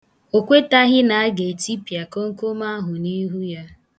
O kwetaghị na a ga-etịpịa komkom ahụ n' ihu ya.